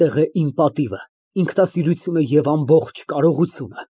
Այստեղ է իմ պատիվը, ինքնասիրությունը և ամբողջ կարողությունը։